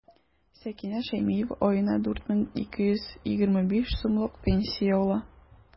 Сәкинә Шәймиева аена 4 мең 225 сумлык пенсия ала.